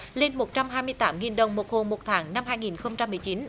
lên một trăm hai mươi tám nghìn đồng một hộ một tháng năm hai nghìn không trăm mười chín